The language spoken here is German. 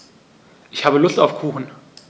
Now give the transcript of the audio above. Ich habe Lust auf Kuchen.